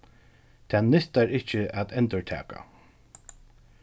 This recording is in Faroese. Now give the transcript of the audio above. tað nyttar ikki at endurtaka